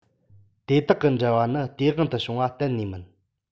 དེ དག གི འབྲེལ བ ནི སྟེས དབང དུ བྱུང བ གཏན ནས མིན